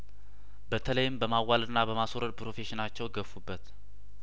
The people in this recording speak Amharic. በተለይም በማዋለድና በማስ ወረድ ፕሮፌሽ ናቸው ገፉበት